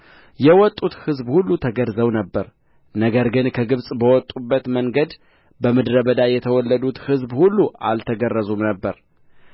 የወጡት ሕዝብ ሁሉ ተገርዘው ነበር ነገር ግን ከግብፅ በወጡበት መንገድ በምድረ በዳ የተወለዱት ሕዝብ ሁሉ አልተገረዙም ነበር